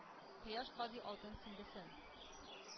Кояш кадый алтын сөңгесен,